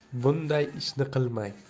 bunday ishni qilmang